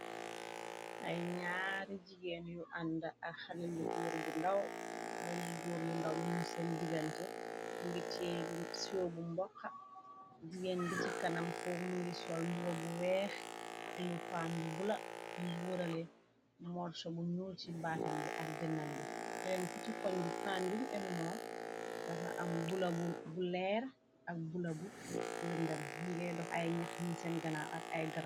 Ay ñaari jigeen yu ànd ak xalell góur bu ndaw yu mu seen digante ngite sio bu mboxa digeen bi ci kanam ko mu ngi sol mbuba bu weex inu paan bu bula ngi wërale moot sho bu ñuul ci baatam bi ak dinam bi yelen ki ci koñ bi pàn bin inu moom dafa am bulabu leer ak bula bu lëndam yigey dox ay ñax yiñ seen ganaaw ay gaae.